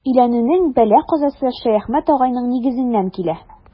Өйләнүнең бәла-казасы Шәяхмәт агайның нигезеннән килә.